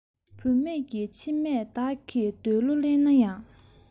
བུད མེད ཀྱི མཆི མས བདག གི འདོད བློ བརླན ན ཡང